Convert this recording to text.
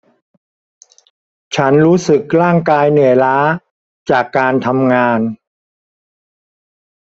ฉันรู้สึกร่างกายเหนื่อยล้าจากการทำงาน